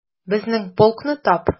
Безнең полкны тап...